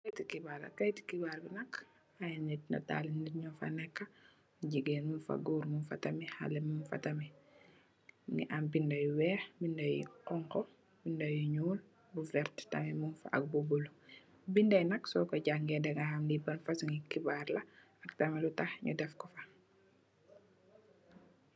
Lii keiti khibarr la, keiti khibarr bii nak aiiy nitt, naatali nitt njur fa neka, gigain mung fa, gorre mung fa tamit, haleh mung fa tamit, mungy am binda yu wekh, binda yu honha, binda yu njull, bu vertue tamit mung fa ak bu bleu, binda yii nak borkor jaangeh danga ham lii ban fasoni khibarr la ak tamit lutakh nju def kor fa.